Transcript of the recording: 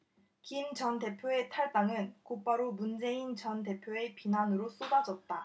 김 전 대표의 탈당은 곧바로 문재인 전 대표의 비난으로 쏟아졌다